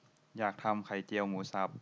อยากทำไข่เจียวหมูสับ